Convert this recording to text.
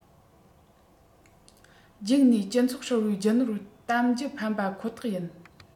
རྒྱུགས ནས སྤྱི ཚོགས ཧྲིལ པོའི རྒྱུ ནོར གཏམ རྒྱུད ཕམ པ ཁོ ཐག ཡིན